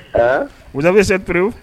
A wulada bɛ seurri